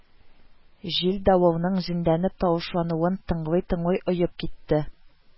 Җил-давылның җенләнеп тавышлануын тыңлый-тыңлый оеп китте